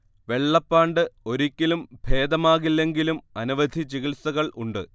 വെള്ളപ്പാണ്ട് ഒരിക്കലും ഭേദമാകില്ലെങ്കിലും അനവധി ചികിത്സകൾ ഉണ്ട്